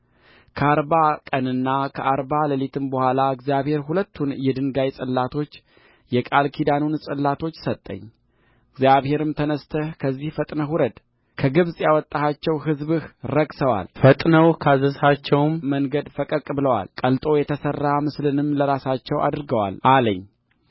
ከአርባ ቀንና ከአርባ ሌሊትም በኋላ እግዚአብሔር ሁለቱን የድንጋይ ጽላቶች የቃል ኪዳኑን ጽላቶች ሰጠኝእግዚአብሔርም ተነሥተህ ከዚህ ፈጥነህ ውረድ ከግብፅ ያወጣሃቸው ሕዝብህ ረክሰዋል ፈጥነው ካዘዝኋቸው መንገድ ፈቀቅ ብለዋል ቀልጦ የተሠራ ምስልም ለራሳቸው አድርገዋል አለኝ